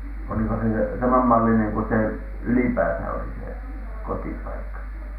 oliko se samanmallinen kuin se Ylipäässä oli se kotipaikka